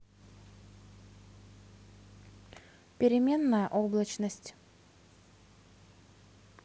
переменная облачность